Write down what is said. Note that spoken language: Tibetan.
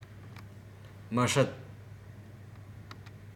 མི སྲིད